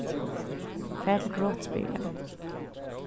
far til brotsbyrjan